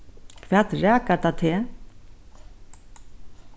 hvat rakar tað teg